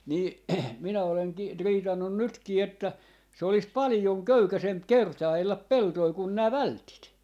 niin minä olenkin riitannut nytkin että se olisi paljon köykäisempi kertailla peltoja kuin nämä vältit